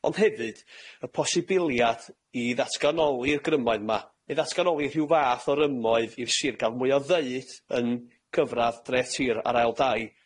Ond hefyd y posibiliad i ddatganoli'r grymoedd 'ma, i ddatganoli rhyw fath o rymoedd i'r sir ga'l mwy o ddeud yn cyfradd dreth tir ar ail dai.